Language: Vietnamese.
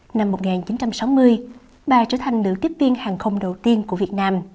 năm một ngàn chín trăm sáu mươi bà trở thành nữ tiếp viên hàng không đầu tiên của việt nam